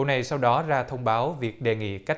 này sau đó ra thông báo việc đề nghị cắt